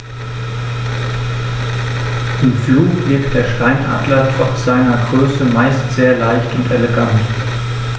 Im Flug wirkt der Steinadler trotz seiner Größe meist sehr leicht und elegant.